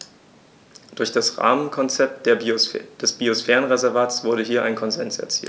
Durch das Rahmenkonzept des Biosphärenreservates wurde hier ein Konsens erzielt.